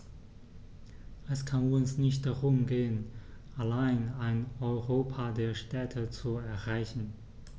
Es kann uns nicht darum gehen, allein ein Europa der Städte zu errichten.